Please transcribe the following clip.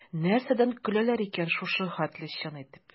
Нәрсәдән көләләр икән шушы хәтле чын итеп?